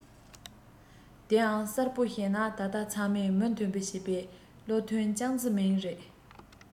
དེའང གསལ པོ བཤད ན ད ལྟ ཚང མས མོས མཐུན བྱས པའི བློ ཐུན ཅང ཙེ མིང རེད